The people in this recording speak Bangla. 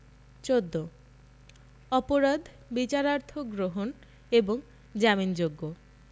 ১৪ অপরাধ বিচারার্থ গ্রহণ এবং জামিনযোগ্য